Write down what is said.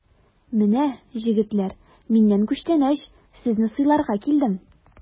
Менә, җегетләр, миннән күчтәнәч, сезне сыйларга килдем!